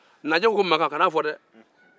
naajɛ ko makan kan'a fo dɛ